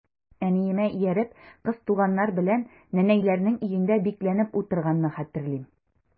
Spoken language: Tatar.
Әниемә ияреп, кыз туганнар белән нәнәйләрнең өендә бикләнеп утырганны хәтерлим.